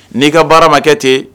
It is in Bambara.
N'i ka baara makɛ ten